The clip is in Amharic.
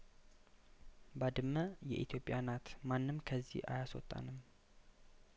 ባድመ የኢትዮጵያ ናት ማንም ከዚህ አያስወጣንም